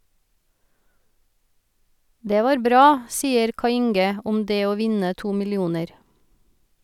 - Det var bra, sier Kai Inge om det å vinne 2 millioner.